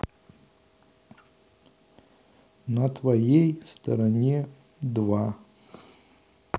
на твоей стороне два